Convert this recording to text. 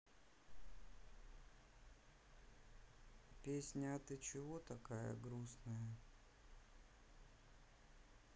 песня а ты чего такая грустная